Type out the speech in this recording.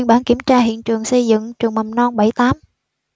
bản kiểm tra hiện trường xây dựng trường mầm non bảy tám